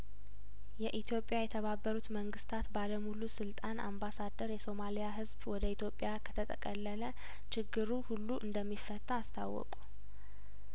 የኢትዮጵያ የተባበሩት መንግስታት ባለሙሉ ስልጣን አምባሳደር የሶማሊያ ህዝብ ወደ ኢትዮጵያ ከተጠቀለ ለችግሩ ሁሉ እንደሚፈታ አስታወቁ